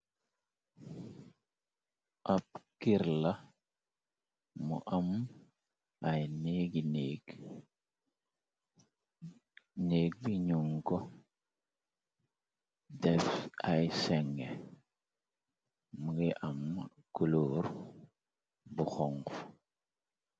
Ab kir la mu am ay neegi neegi nek bi nyung ko def ay sengeh mugi am culoor bu khonkho.